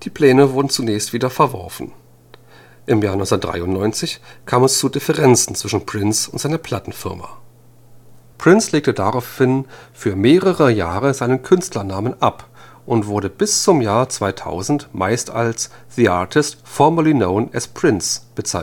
Pläne wurden zunächst wieder verworfen. Im Jahr 1993 kam es zu Differenzen zwischen Prince und seiner Plattenfirma. Prince legte daraufhin für mehrere Jahre seinen Künstlernamen ab und wurde bis zum Jahr 2000 meist als „ The Artist Formerly Known as Prince “bezeichnet. Am